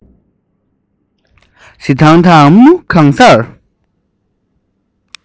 ཞིང ཐང དང མུ གང སར